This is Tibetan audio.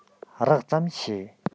རགས ཙམ ཤེས